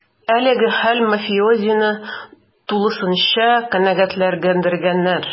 Әлеге хәл мафиозины тулысынча канәгатьләндергән: